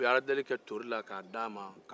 u ye aladeli kɛ ntori la k'a di a ma